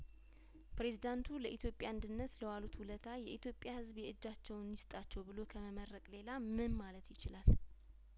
ፕሬዚዳንቱ ለኢትዮጵያ አንድነት ለዋሉት ውለታ የኢትዮጵያ ህዝብ የእጃቸውን ይስጣቸው ብሎ ከመመረቅ ሌላ ምን ማለት ይችላል